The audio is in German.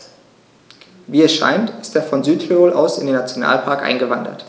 Wie es scheint, ist er von Südtirol aus in den Nationalpark eingewandert.